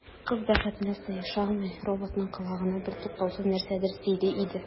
Кыз, бәхетенә сыеша алмый, роботның колагына бертуктаусыз нәрсәдер сөйли иде.